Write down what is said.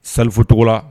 Selifo tɔgɔ la